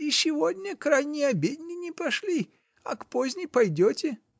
-- И сегодня к ранней обедне не пошли, а к поздней пойдете.